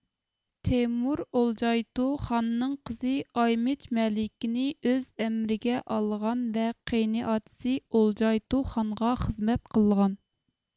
تېمۇر ئولجايتۇ خاننىڭ قىزى ئايمىچ مەلىكىنى ئۆز ئەمرىگە ئالغان ۋە قېينىئاتىسى ئولجايتۇ خانغا خىزمەت قىلغان